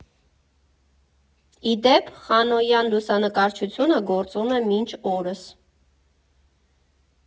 Ի դեպ՝ «Խանոյան» լուսանկարչատունը գործում է մինչ օրս.